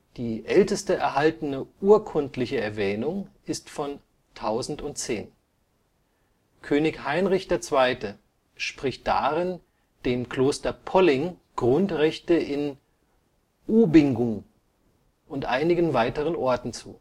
Die älteste erhaltene urkundliche Erwähnung ist von 1010: König Heinrich II. spricht darin dem Kloster Polling Grundrechte in Ubingun und einigen weiteren Orten zu